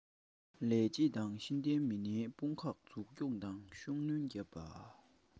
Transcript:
ལས བྱེད པ དང ཤེས ལྡན མི སྣའི དཔུང ཁག འཛུགས སྐྱོང ལ ཤུགས སྣོན བརྒྱབ ཡོད